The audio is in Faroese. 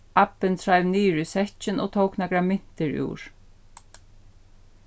abbin treiv niður í sekkin og tók nakrar myntir úr